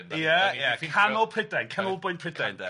Ie, ie canol Prydain, canolbwynt Prydain 'de.